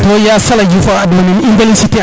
to Ya Sala Diof a adwanin in way feliciter an